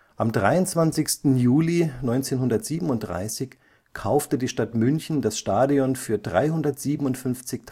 Am 23. Juli 1937 kaufte die Stadt München das Stadion für 357.560